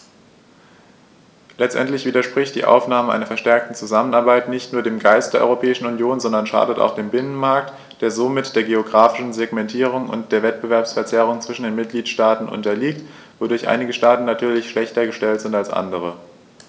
Letztendlich widerspricht die Aufnahme einer verstärkten Zusammenarbeit nicht nur dem Geist der Europäischen Union, sondern schadet auch dem Binnenmarkt, der somit der geographischen Segmentierung und der Wettbewerbsverzerrung zwischen den Mitgliedstaaten unterliegt, wodurch einige Staaten natürlich schlechter gestellt sind als andere.